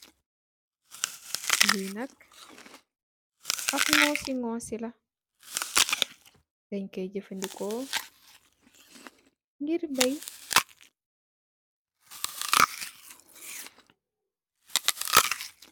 Li nak ap ngosi ngosi la, dañ koy jafandiko ngir bay.